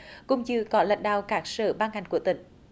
cùng dự có lãnh đạo các sở ban ngành của tỉnh